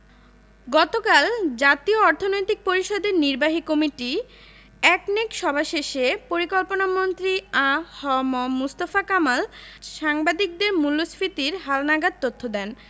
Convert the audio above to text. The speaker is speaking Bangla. গতকাল জাতীয় অর্থনৈতিক পরিষদের নির্বাহী কমিটি একনেক সভা শেষে পরিকল্পনামন্ত্রী আ হ ম মুস্তফা কামাল সাংবাদিকদের মূল্যস্ফীতির হালনাগাদ তথ্য দেন